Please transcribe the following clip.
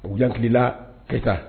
U jan hakilila keta